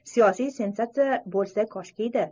siyosiy sensatsiya bo'lsa koshkiydi